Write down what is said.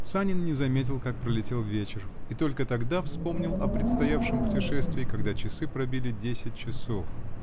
Санин не заметил, как пролетел вечер, и только тогда вспомнил о предстоявшем путешествии, когда пасы пробили десять часов.